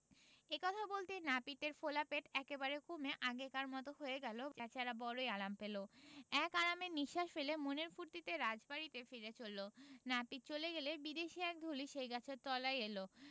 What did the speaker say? এই কথা বলতেই নাপিতের ফোলা পেট একেবারে কমে আগেকার মতো হয়ে গেল বেচারা বড়োই আরাম পেল এক আরামের নিঃশ্বাস ফেলে মনের ফুর্তিতে রাজবাড়িতে ফিরে চলল নাপিত চলে গেলে বিদেশী এক ঢুলি সেই গাছের তলায় এল